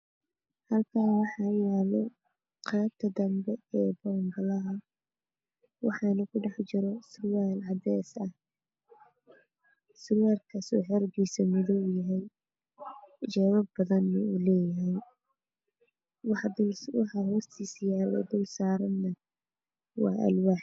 Halkan waxaa yala qebta dembe ee banbilada uu ku jiro sirwal cadees ah oo xarig madow leh oo alwax dulsaran